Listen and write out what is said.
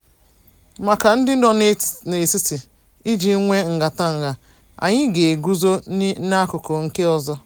Maka ndị nọ n'etiti, iji nwe nhatanha, anyị ga-eguzo n'akụkụ nke ọzọ.